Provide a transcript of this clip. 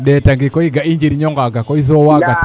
ndeeta ngi koy ga'i o njirño ngaaga koy so waago